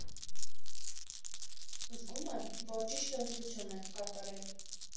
֊Զգում եմ, որ ճիշտ ընտրություն ենք կատարել։